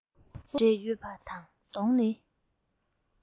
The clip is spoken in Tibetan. ནག པོ འདྲེས ཡོད པ དང གདོང ནི